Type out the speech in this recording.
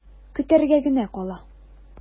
Көтәргә генә кала.